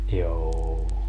joo